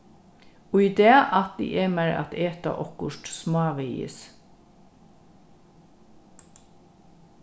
í dag ætli eg mær at eta okkurt smávegis